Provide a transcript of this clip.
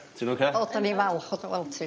Ti'n oce? O 'dan ni falch o dy weld ti...